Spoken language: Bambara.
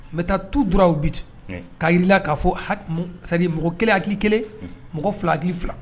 N bɛ taa tuturaw bi k ka jira k'a fɔ ha sa mɔgɔ kelen hakili kelen mɔgɔ filaki fila